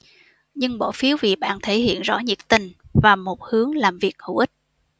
nhưng bỏ phiếu vì bạn thể hiện rõ nhiệt tình và một hướng làm việc hữu ích